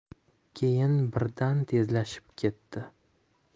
keyin birdan tezlashib ketdi